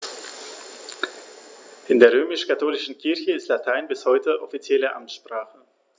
In der römisch-katholischen Kirche ist Latein bis heute offizielle Amtssprache.